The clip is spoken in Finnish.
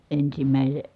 -